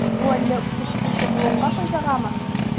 Бу әллә үсеп килүче буынга файдагамы?